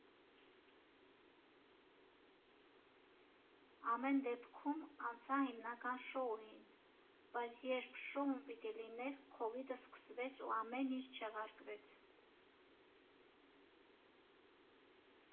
Ամեն դեպքում, անցա հիմնական շոուին, բայց երբ շոուն պիտի լիներ, քովիդը սկսվեց ու ամեն ինչ չեղարկվեց։